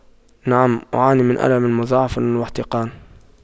نعم أعاني من ألم مضاعف واحتقان